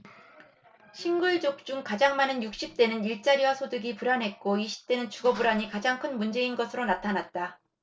싱글족 중 가장 많은 육십 대는 일자리와 소득이 불안했고 이십 대는 주거 불안이 가장 큰 문제인 것으로 나타났다